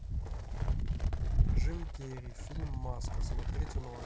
джим керри фильм маска смотреть онлайн